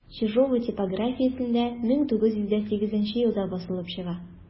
Чижова типографиясендә 1908 елда басылып чыга.